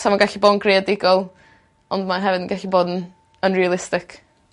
sa fe'n gallu bod yn greadigol ond ma' hefyd yn gallu bod yn unrealistic.